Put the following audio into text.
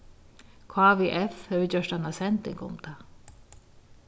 kvf hevur gjørt eina sending um tað